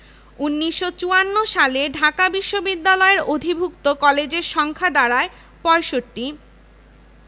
প্রতিষ্ঠালগ্ন থেকে ঢাকা বিশ্ববিদ্যালয় পরিচালিত কোর্সসমূহ ছিল বি.এ বি.এসসি পাস ও honours MA MSc LT BT